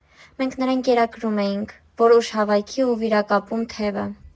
Մենք նրան կերակրում էինք, որ ուժ հավաքի ու վիրակապում թևը։